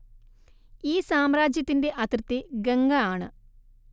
ഈ സാമ്രാജ്യത്തിന്റെ അതിർത്തി ഗംഗ ആണ്